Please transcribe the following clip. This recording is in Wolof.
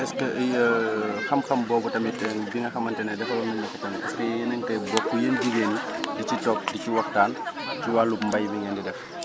est ce que ay xam xam boobu tamit bi nga xamante ne defaloon nañu leen ko tamit est ce que yéen a ngi koy bokk yéen jigéen ñi di ci toog di ci waxtaan ci wàllum mbay mi ngeen di def